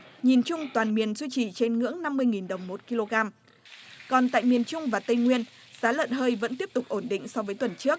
nhìn chung toàn miền duy trì trên ngưỡng năm mươi nghìn đồng một ki lô gam còn tại miền trung và tây nguyên giá lợn hơi vẫn tiếp tục ổn định so với tuần trước